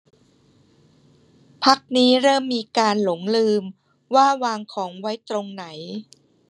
พักนี้เริ่มมีการหลงลืมว่าวางของไว้ตรงไหน